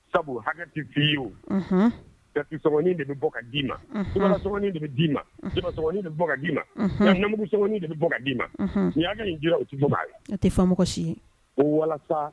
Sabu hakɛ te f'i ye o unhun cigarette sɔŋɔnin de be bɔ k'a d'i ma unhun i ka nasɔŋɔnin de be d'i ma unh jabasɔŋɔnin de be bɔ ka d'i ma unhun ɲam namugusɔŋɔnin de be bɔ k'a d'i ma unhun nin hakɛ in dira o te fɔ maa ye o te fɔ mɔgɔ si ye uwalasaa